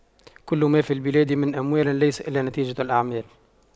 كل ما في البلاد من أموال ليس إلا نتيجة الأعمال